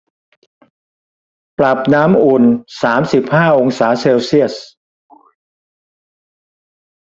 ปรับน้ำอุ่นสามสิบห้าองศาเซลเซียส